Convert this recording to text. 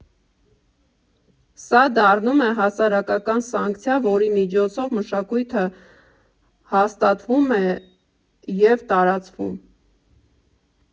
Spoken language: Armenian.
Սա դառնում է հասարակական սանկցիա, որի միջոցով մշակույթը հաստատվում է և տարածվում։